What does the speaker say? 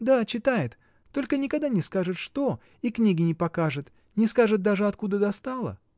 — Да, читает, только никогда не скажет что, и книги не покажет, не скажет даже, откуда достала.